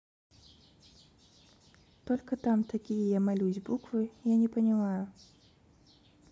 только там такие я молюсь буквы я не понимаю